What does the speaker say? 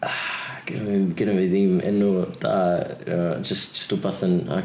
Genna fi'm genna fi ddim enw da jyst jyst wbath yn...